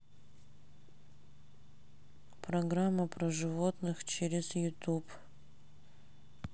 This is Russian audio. программа про животных через ютуб